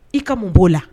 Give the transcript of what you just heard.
I ka mun b'o la